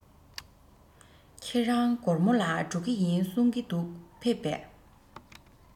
ཁྱེད རང གོར མོ ལ འགྲོ ཀྱི ཡིན གསུང གི འདུག ཕེབས པས